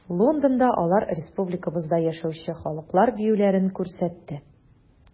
Лондонда алар республикабызда яшәүче халыклар биюләрен күрсәтте.